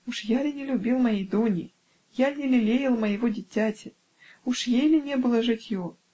уж я ли не любил моей Дуни, я ль не лелеял моего дитяти уж ей ли не было житье?